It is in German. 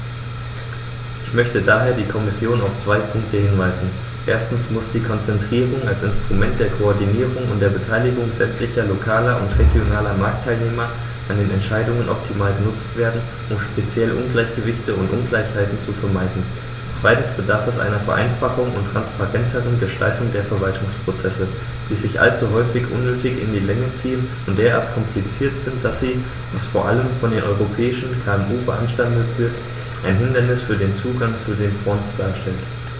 Ich möchte daher die Kommission auf zwei Punkte hinweisen: Erstens muss die Konzertierung als Instrument der Koordinierung und der Beteiligung sämtlicher lokaler und regionaler Marktteilnehmer an den Entscheidungen optimal genutzt werden, um speziell Ungleichgewichte und Ungleichheiten zu vermeiden; zweitens bedarf es einer Vereinfachung und transparenteren Gestaltung der Verwaltungsprozesse, die sich allzu häufig unnötig in die Länge ziehen und derart kompliziert sind, dass sie, was vor allem von den europäischen KMU beanstandet wird, ein Hindernis für den Zugang zu den Fonds darstellen.